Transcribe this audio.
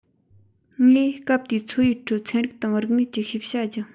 ངས སྐབས དེའི འཚོ བའི ཁྲོད ཚན རིག དང རིག གནས ཀྱི ཤེས བྱ སྦྱངས